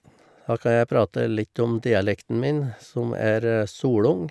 Da kan jeg prate litt om dialekten min, som er solung.